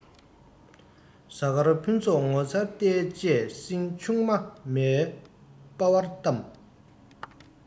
གཟའ སྐར ཕུན ཚོགས ངོ མཚར ལྟས བཅས སྲིང ཆུང མ མའི སྤ བར བལྟམས